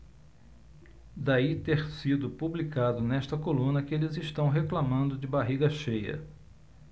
daí ter sido publicado nesta coluna que eles reclamando de barriga cheia